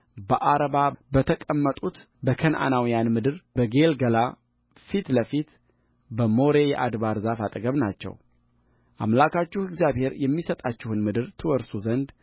በዓረባ በተቀመጡት በከነዓናውያን ምድር በጌልገላ ፊት ለፊት በሞሬ የአድባር ዛፍ አጠገብ ናቸውአምላካችሁ እግዚአብሔር የሚሰጣችሁን ምድር ትወርሱ ዘንድ